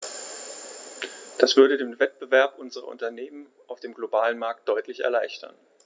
Das würde den Wettbewerb unserer Unternehmen auf dem globalen Markt deutlich erleichtern.